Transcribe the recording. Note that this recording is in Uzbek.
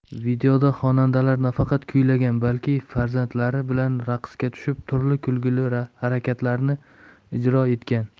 videoda xonandalar nafaqat kuylagan balki farzandlari bilan raqsga tushib turli kulgili harakatlarni ijro etgan